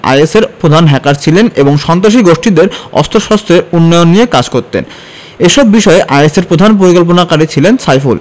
আইএসের প্রধান হ্যাকার ছিলেন এবং সন্ত্রাসী গোষ্ঠীটির অস্ত্রশস্ত্রের উন্নয়ন নিয়ে কাজ করতেন এসব বিষয়ে আইএসের প্রধান পরিকল্পনাকারী ছিলেন সাইফুল